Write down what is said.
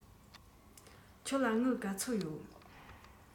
ཁྱོད ལ དངུལ ག ཚོད ཡོད